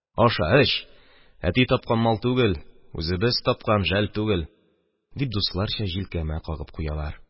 Аша-эч, әти тапкан мал түгел, үзебез тапкан жәл түгел», – дип, дусларча җилкәмә кагып куялар